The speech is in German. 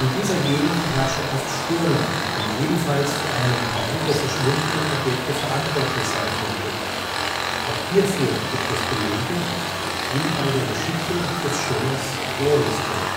dieser Gegend herrschen oft Stürme, die ebenfalls für einen Teil der verschwundenen Objekte verantwortlich sein könnten. Auch hierfür gibt es Belege, wie bei der Geschichte des Schoners Glorisko